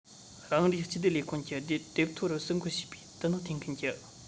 རང རེའི སྤྱི བདེ ལས ཁུངས ཀྱི དེབ ཐོ རུ ཟིན བཀོད བྱས པའི དུ ནག འཐེན མཁན གྱི